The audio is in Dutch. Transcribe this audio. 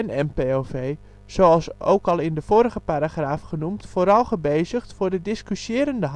en NPOV zoals ook al in de vorige paragraaf genoemd vooral gebezigd door de discussierende